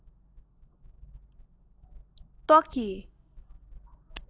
རྟོག འཆར གྱི